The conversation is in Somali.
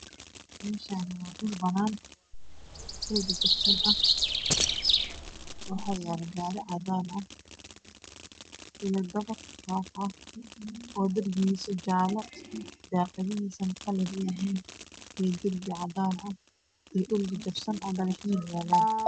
Mashan waa mel banan ah waxayalo gari cadan ah iyo dabaq haf ah darbigis yahay jale daqdiis yahay qalin